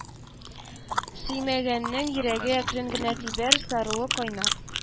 Сөймәгәннең йөрәге әкрен генә тибәр, саруы кайнар